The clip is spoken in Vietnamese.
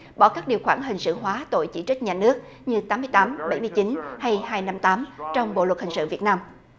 bỏ các điều khoản hình sự hóa tội chỉ trích nhà nước như tám mươi tám bảy mươi chín hay hai năm tám trong bộ luật hình sự việt nam